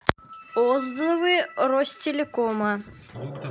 отзывы ростелекома